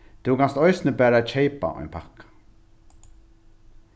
tú kanst eisini bara keypa ein pakka